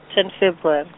ten February.